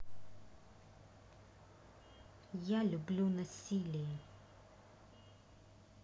я люблю насилие